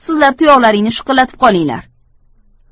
sizlar tuyoqlaringni shiqillatib qolinglar